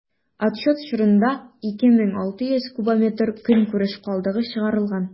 Отчет чорында 2600 кубометр көнкүреш калдыгы чыгарылган.